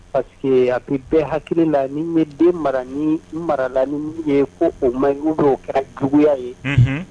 Paseke api bɛɛ hakili la ni bɛ den mara marala ni ye ko o man u dɔw kɛra juguya ye